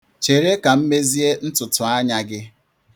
Chere ka m mezie ntụ̀tụ̀anya gị.